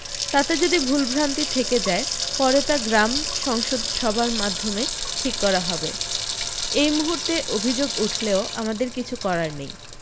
তাতে যদি ভুলভ্রান্তি থেকে যায় পরে তা গ্রাম সংসদ সভার মাধ্যমে ঠিক করা হবে এই মূহুর্তে অভি্যোগ উঠলেও আমাদের কিছু করার নেই